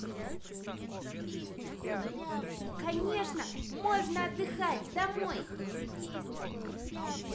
конечно можно отдыхать домой